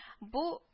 Бу